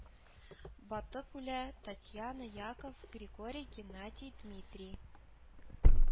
Батып үлә, татьяна, яков, григорий, геннадий, дмитрий